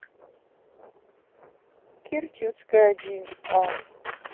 керченская один а